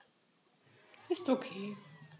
Ist OK.